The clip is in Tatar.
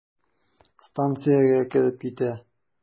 Станциягә кереп китә.